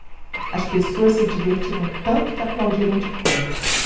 as pessoas se divertiram tanto que aplaudiram de pé